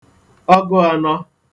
ọgụānọ̄